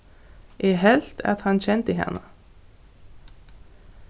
eg helt at hann kendi hana